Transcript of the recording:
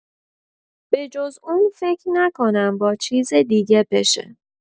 بجز اون فک نکنم با چیز دیگه بشه